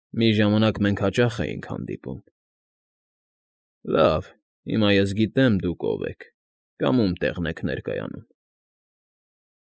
Մի ժամանակ մենք հաճախ էինք հանդիպում։ Լավ, հիմա ես գիտեմ, դուք ով եք կամ ում տեղն եք ներկայանում։